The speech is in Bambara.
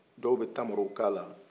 dɔw be tamaro k'ala